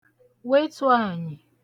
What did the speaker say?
wetù ànyị̀